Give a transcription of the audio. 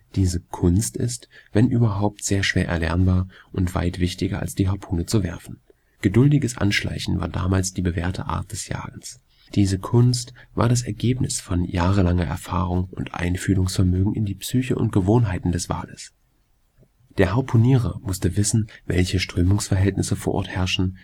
Diese „ Kunst “ist – wenn überhaupt – sehr schwer erlernbar und weit wichtiger, als die Harpune zu werfen. Geduldiges Anschleichen war damals die bewährte Art des Jagens. Diese „ Kunst “war das Ergebnis von jahrelanger Erfahrung und Einfühlungsvermögen in die Psyche und Gewohnheiten des Wales. Der Harpunier musste wissen, welche Strömungsverhältnisse vor Ort herrschen